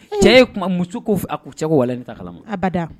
Cɛ ye kuma muso ko a ko cɛ wa ni ta kalama abada